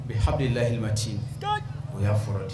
U hadulahilimati o y'a fɔra ten